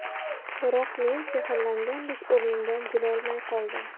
biroq men sehrlangandek o'rnimdan jilolmay qoldim